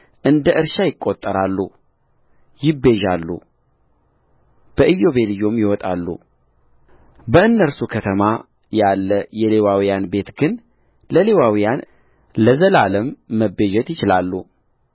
እንደ እርሻ ይቈጠራሉ ይቤዣሉ በኢዮቤልዩም ይወጣሉበእነርሱ ከተማ ያለ የሌዋውያን ቤት ግን ሌዋውያን ለዘላለም መቤዠት ይችላሉ